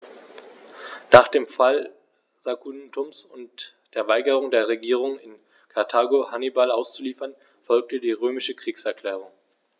Nach dem Fall Saguntums und der Weigerung der Regierung in Karthago, Hannibal auszuliefern, folgte die römische Kriegserklärung.